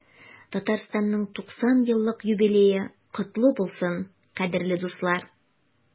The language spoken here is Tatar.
Татарстанның 90 еллык юбилее котлы булсын, кадерле дуслар!